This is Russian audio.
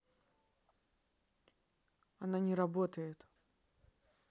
она не работает